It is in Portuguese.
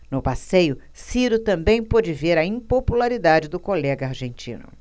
no passeio ciro também pôde ver a impopularidade do colega argentino